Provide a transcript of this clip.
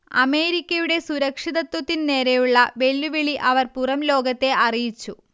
അമേരിക്കയുടെ സുരക്ഷിതത്വത്തിനു നേരെയുള്ള വെല്ലുവിളി അവർ പുറംലോകത്തെ അറിയിച്ചു